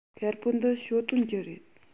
དཀར པོ འདི ཞའོ ཏོན གྱི རེད